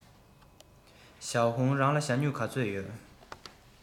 ཞའོ ཧུང རང ལ ཞྭ སྨྱུག ག ཚོད ཡོད